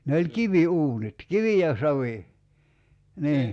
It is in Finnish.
ne oli kiviuunit kivi ja savi niin